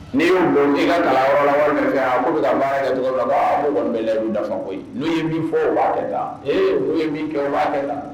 N'i ka kalan fɛ a taa baara tɔgɔ a' kɔni bɛ dafa koyi n'o ye min fɔ o b' taa n' ye min kɛ o b' la